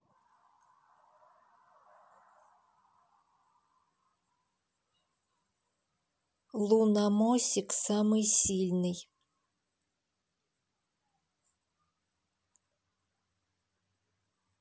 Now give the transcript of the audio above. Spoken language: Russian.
луномосик самый сильный